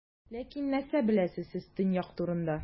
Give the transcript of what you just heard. Ләкин нәрсә беләсез сез Төньяк турында?